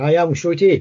Da iawn, shwyt ti?